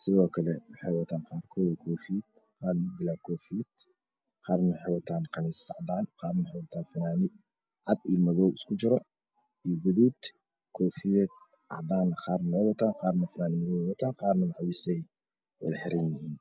sidoo kale waxay wataan qaarkoodna koofid, qaar mukula koofid ,qaar waxay wataan finaani, qaarna waxay wataan khamiis cadaan, qaarna waxay wataan finaani cad iyo madow iskugu jiro, iyo gaduud koofiyad cadaan qaarna wey wataan, qaarna finaanadey wataan, qaarna macwiisay wataan xeran yihiin.